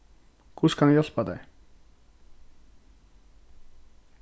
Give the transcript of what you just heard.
hvussu kann eg hjálpa tær